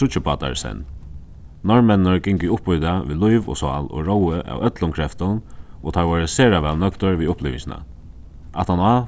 tríggir bátar í senn norðmenninir gingu upp í tað við lív og sál og róðu av øllum kreftum og teir vóru sera væl nøgdir við upplivingina aftaná